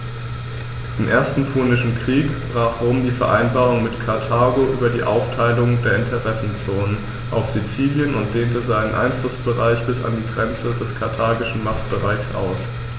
Im Ersten Punischen Krieg brach Rom die Vereinbarung mit Karthago über die Aufteilung der Interessenzonen auf Sizilien und dehnte seinen Einflussbereich bis an die Grenze des karthagischen Machtbereichs aus.